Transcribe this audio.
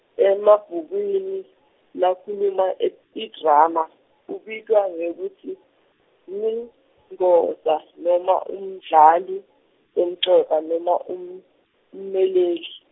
Emabhukwini lakhuluma et- edrama ubitwa ngekutsi ngugosa noma umdlali lomcoka noma ummeleli.